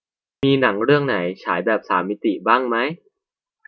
มีหนังเรื่องไหนฉายแบบสามมิติบ้างมั้ย